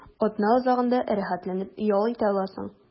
Атна азагында рәхәтләнеп ял итә аласың.